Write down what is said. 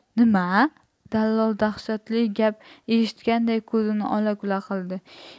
nima dallol dahshatli gap eshitgandek ko'zini ola kula qildi